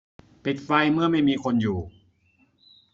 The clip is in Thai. ปิดไฟเมื่อไม่มีคนอยู่